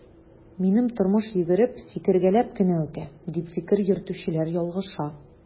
Минем тормыш йөгереп, сикергәләп кенә үтә, дип фикер йөртүчеләр ялгыша.